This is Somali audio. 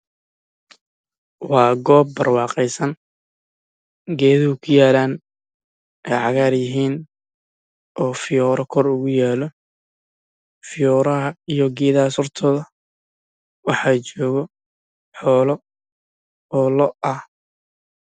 Waa goob barwaaqeysan oo doog leh